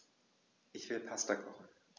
Ich will Pasta kochen.